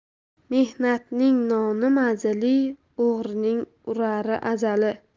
mehnatning noni mazali o'g'rining urari azali